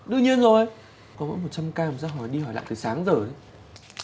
đương nhiên rồi có mỗi một trăm ca mà sao hỏi đi hỏi lại từ sáng tới giờ thế